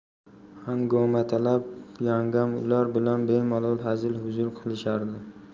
hangomatalab yangam ular bilan bemalol hazil huzul qilishardi